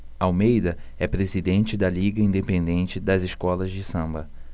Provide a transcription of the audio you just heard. almeida é presidente da liga independente das escolas de samba